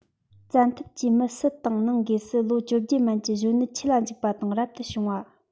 བཙན ཐབས ཀྱིས མི སུ དང ནང སྒོས སུ ལོ བཅོ བརྒྱད མན གྱི གཞོན ནུ ཆོས ལ འཇུག པ དང རབ ཏུ བྱུང བ